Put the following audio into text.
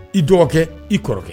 I dɔgɔkɛ i kɔrɔkɛ